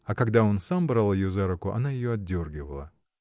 А когда он сам брал ее за руку, она ее отдергивала.